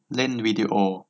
เล่นวีดีโอ